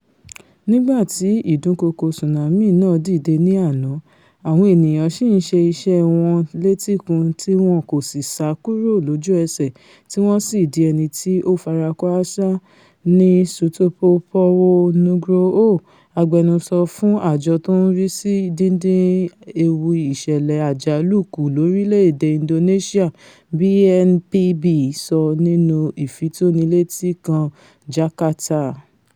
Nígbà tí ìdúnkoòkò tsunami náà dìde ní àná, àwọn ènìyàn sì ń ṣe iṣẹ́ wọn létíkun tíwọn kòsì sá kuro lójú-ẹsẹ̀ tí wọ́n sì di ẹniti o farakó-áásá,'' ni Sutopo Purwo Nugroho, agbẹnusọ fún àjọ tó ń rísí díndín ewu ìṣẹ̀lẹ̀ àjálù kù lorílẹ̀-èdè Indonesia BNPB sọ nínú ìfitónilétí kan Jarkata.